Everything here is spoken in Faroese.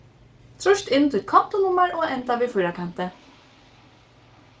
trýst inn títt kontunummar og enda við fýrakanti